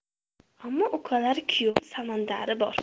ammo ukalari kuyovi samandari bor